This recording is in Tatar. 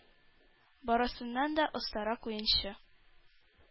Барысыннан да остарак уенчы,